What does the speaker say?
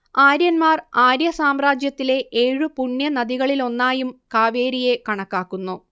ആര്യന്മാർ ആര്യസാമ്രാജ്യത്തിലെ ഏഴു പുണ്യ നദികളിലൊന്നായും കാവേരിയെ കണക്കാക്കുന്നു